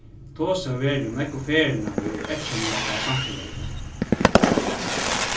tosað hevur verið um nógvu ferðina ið eyðkennir okkara samfelag í dag